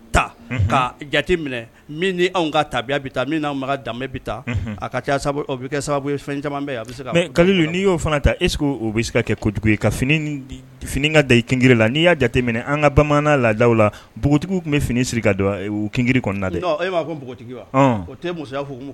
Ya danbe kɛ sababu ye fɛn caman yeli n'i y'o fana ta e o bɛ se ka kɛ kojugu fini ka da i kin la n'i y'a jate minɛ an ka bamanan la la npogotigiw tun bɛ finisiri ka don kin kɔnɔna de e b'a fɔ npogotigi wa o tɛ muso'